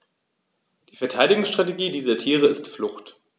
Die Verteidigungsstrategie dieser Tiere ist Flucht.